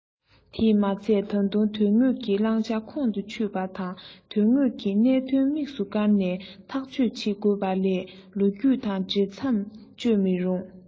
དེས མ ཚད ད དུང དོན དངོས ཀྱི བླང བྱ ཁོང དུ ཆུད པ ད དོན དངོས ཀྱི གནད དོན དམིགས སུ བཀར ནས ཐག གཅོད བྱེད དགོས པ ལས ལོ རྒྱུས དང འ བྲེལ མཚམས གཅོད མི རུང